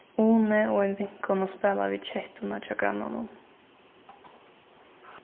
uni og ein vinkona spæla við kettuna hjá grannanum